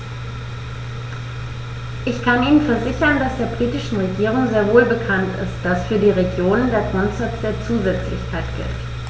Ich kann Ihnen versichern, dass der britischen Regierung sehr wohl bekannt ist, dass für die Regionen der Grundsatz der Zusätzlichkeit gilt.